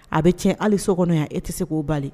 A bɛ cɛn hali so kɔnɔ yan e tɛ se k'o bali